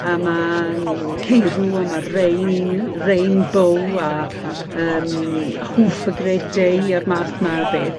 a ma' m- ceirw a ma' rain rain bow a yym hoof a great day a'r math 'ma o beth.